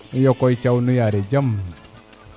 iyo koy Thiaw nu yaare jam